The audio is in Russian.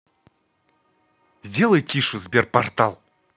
сделай тише sberportal